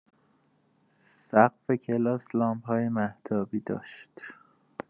سقف کلاس لامپ‌های مهتابی داشت.